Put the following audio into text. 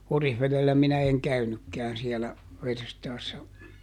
Orivedellä minä en käynytkään siellä verstaassa